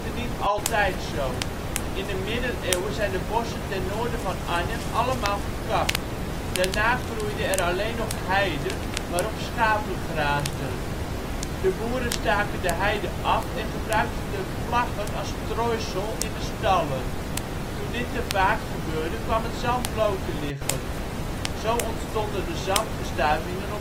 niet altijd zo. In de middeleeuwen zijn de bossen ten noorden van Arnhem allemaal gekapt. Daarna groeide er alleen nog heide waarop schapen graasden. De boeren staken de heide af en gebruikten de plaggen als strooisel in de stallen. Toen dit te vaak gebeurde kwam het zand bloot te liggen. Zo ontstonden de zandverstuivingen